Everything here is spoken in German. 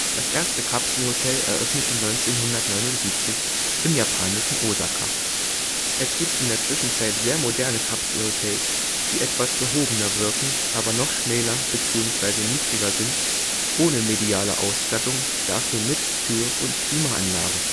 Das erste Kapselhotel eröffnete 1979 im japanischen Ōsaka. Es gibt in der Zwischenzeit sehr moderne Kapselhotels, die etwas gehobener wirken, aber noch schmäler / niedriger sind, ohne mediale Ausstattung, dafür mit Tür und Klimaanlage